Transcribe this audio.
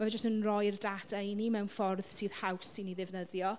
Ma' fe jyst yn roi'r data i ni mewn ffordd sydd haws i ni ddefnyddio.